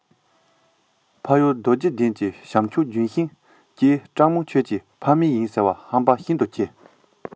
འཕགས ཡུལ རྡོ རྗེ གདན གྱི བྱང ཆུབ ལྗོན ཤིང བཅས སྤྲང མོ ཁྱོད ཀྱི ཕ མེས ཡིན ཟེར བ ཧམ པ ཤིན ཏུ ཆེ